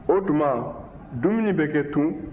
o tuma dumuni bɛ kɛ tun